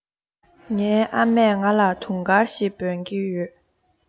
ངའི ཨ མས ང ལ དུང དཀར ཞེས འབོད ཀྱིན ཡོད